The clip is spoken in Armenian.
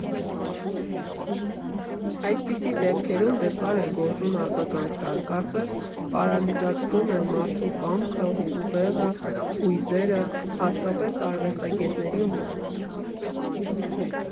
Այսպիսի դեպքերում դժվար է գործուն արձագանք տալ, կարծես պարալիզացվում են մարդու կամքը, ուղեղը, հույզերը, հատկապես արվեստագետների մոտ։